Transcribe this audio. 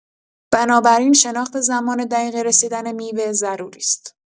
بنابراین شناخت زمان دقیق رسیدن میوه ضروری است.